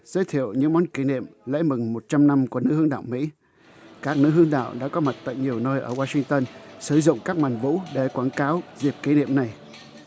giới thiệu những món kỷ niệm lễ mừng một trăm năm của nữ hướng đạo mỹ các nữ hướng đạo đã có mặt tại nhiều nơi ở oa sinh tơn sử dụng các màn vũ để quảng cáo dịp kỷ niệm này